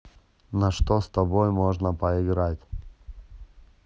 на что с тобой можно поиграть